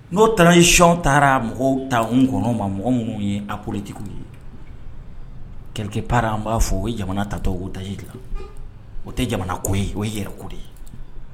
N'o taaracɔn taara mɔgɔw ta kɔnɔ ma mɔgɔ minnu ye aptigiw ye kikera an b'a fɔ o ye jamana tatɔ daji dila o tɛ jamana ko ye o yɛrɛ ko de ye